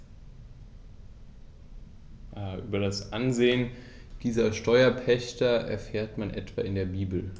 Über das Ansehen dieser Steuerpächter erfährt man etwa in der Bibel.